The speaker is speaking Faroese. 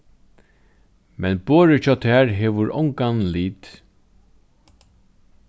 men borðið hjá tær hevur ongan lit